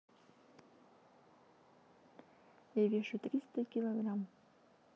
я вешу триста килограмм